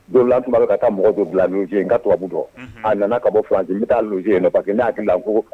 Donwula tun b'a ka taa mɔgɔ don bila n ka tobabubu dɔn a nana ka bɔuranji bɛ taa lu ye pa que n'a hakili ko